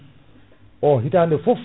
o hitande foof